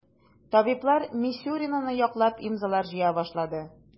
Табиблар Мисюринаны яклап имзалар җыя башлады.